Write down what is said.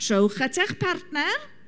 Trowch at eich partner.